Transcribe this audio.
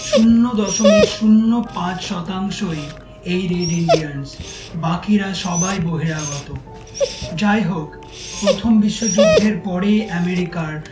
০.০৫% ই red Indians বাকিরা সবাই বহিরাগত যাই হোক প্রথম বিশ্বযুদ্ধের পরেই এমেরিকার